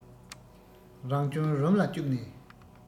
རང སྐྱོན རུམ ལ བཅུག ནས